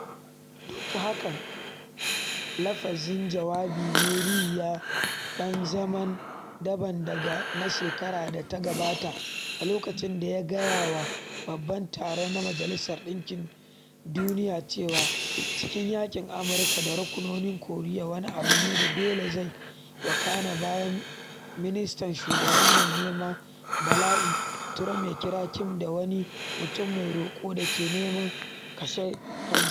Duk da haka, lafazin jawabin na Ri ya ɗan zama daban daga na shekarar da ta gabata, a lokacin da ya gaya wa Babban Taro na Majalisar Ɗinkin Duniyar cewa cikin yankin Amurka da rokokin Koriya wani abu ne da dole zai wakana bayan “Mista Shugaba Mai Neman Bala’i” Trump ya kira Kim da wani “mutum mai roka” da ke neman kashe kansa.